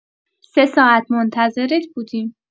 سه ساعت منتظرت بودیم.